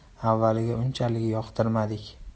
uni avvaliga unchalik yoqtirmadik